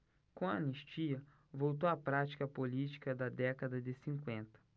com a anistia voltou a prática política da década de cinquenta